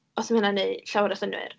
Os ma' hynna'n wneud llawer o synnwyr.